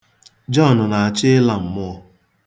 Jọn na-achọ ịla mmụọ.